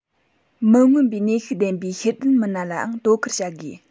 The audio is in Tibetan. མི མངོན པའི ནུས ཤུགས ལྡན པའི ཤེས ལྡན མི སྣ ལའང དོ ཁུར བྱ དགོས